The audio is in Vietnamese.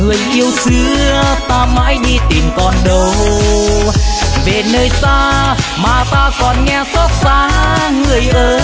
người yêu xưa ta mãi đi tìm còn đâu về nơi xa lòng ta càng nghe xót xa người ơi